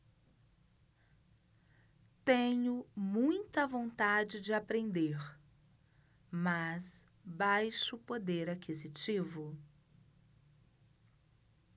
tenho muita vontade de aprender mas baixo poder aquisitivo